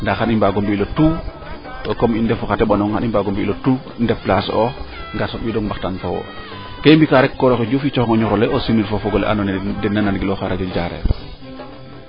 nda xay i mbaago mbi le tout to comme i ndefu xa teɓanong xa i mbaago le tout deplacer oox ngar soɓi dong mbaxtaan fo wo kee i mbika rek kooroxe Diouf coxong o micro le o simnir fo o fogole ando naye dena nan gilooxa radio Diarekh